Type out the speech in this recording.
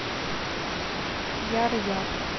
яр яр